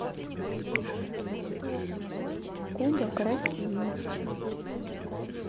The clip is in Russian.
кубок россии